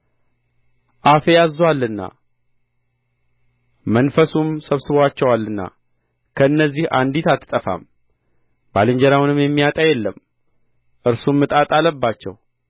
አፌ አዝዞአልና መንፈሱም ሰብስቦአቸዋልና ከእነዚህ አንዲት አትጠፋም ባልንጀራውንም የሚያጣ የለም እርሱም ዕጣ ጣለባቸው